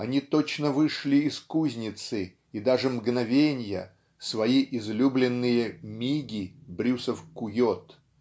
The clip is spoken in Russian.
-- они точно вышли из кузницы и даже мгновенья свои излюбленные "миги" Брюсов кует.